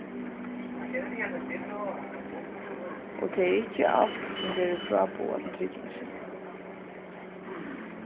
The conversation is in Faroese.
og tað er ikki alt sum verður fráboðað til tryggingina